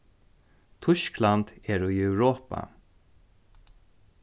týskland er í europa